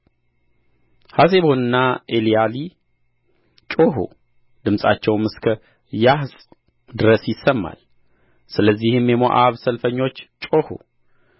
ሐሴቦንና ኤልያሊ ጮኹ ድምፃቸው እስከ ያሀጽ ድረስ ይሰማል ስለዚህ የሞዓብ ሰልፈኞች ጮኹ